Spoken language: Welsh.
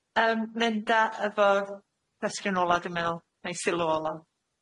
Yym mynd a- efo cwestiwn ola dwi'n meddwl, neu'r sylw ola.